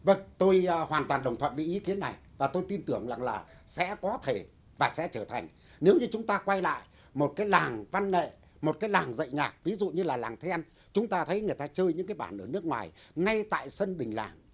vâng tôi là hoàn toàn đồng thuận mỹ thế này và tôi tin tưởng rằng là sẽ có thể bạn sẽ trở thành nếu như chúng ta quay lại một cái làng văn nghệ một cái làng dạy nhạc ví dụ như là làng thaen chúng ta thấy người ta chơi những cái bản ở nước ngoài ngay tại sân đình làng